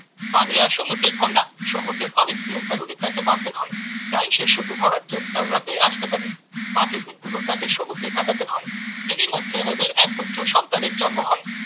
পানিয়া সমুদ্রের কন্যা সমুদ্রের অনেক নিয়মকানুনই তাকে মানতে হয় তাই সে শুধু ভরাট জ্যোৎস্নার রাতেই আসতে পারে বাকি দিনগুলো তাকে সমুদ্রে কাটাতে হয় এরই মধ্যে ওদের এক পুত্র সন্তানের জন্ম হয়